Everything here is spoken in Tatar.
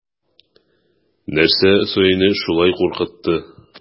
Нәрсә саине шулай куркытты?